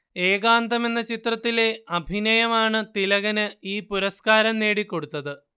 ഏകാന്തം എന്ന ചിത്രത്തിലെ അഭിനയമാണു തിലകന് ഈ പുരസ്കാരം നേടിക്കൊടുത്തത്